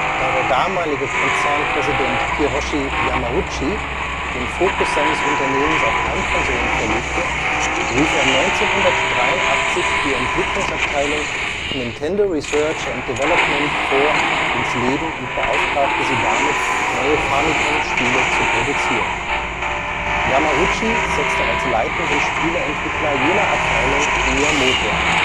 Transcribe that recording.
Da der damalige Konzernpräsident Hiroshi Yamauchi (1927 – 2013) den Fokus seines Unternehmens auf Heimkonsolen verlegte, rief er 1983 die Entwicklungsabteilung Nintendo Research & Development 4 (R&D4) ins Leben und beauftragte sie damit, neue Famicom-Spiele zu produzieren. Yamauchi setzte als leitenden Spieleentwickler jener Abteilung Miyamoto ein